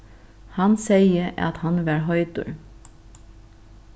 hann segði at hann var heitur